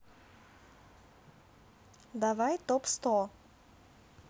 давай топ сто